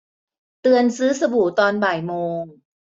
เตือนซื้อสบู่ตอนบ่ายโมง